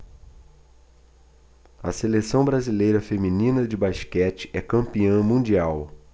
a seleção brasileira feminina de basquete é campeã mundial